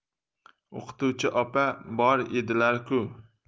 o'qituvchi opa bor edilar ku